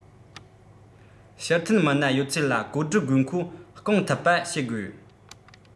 ཕྱིར འཐེན མི སྣ ཡོད ཚད ལ བཀོད སྒྲིག དགོས མཁོ སྐོང ཐུབ པ བྱེད དགོས